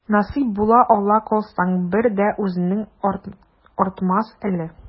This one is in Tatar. Насыйп булып ала калсаң, бер дә үзеңнән артмас әле.